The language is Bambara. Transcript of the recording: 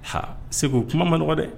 Ha, segu kuma man nɔgɔ dɛ !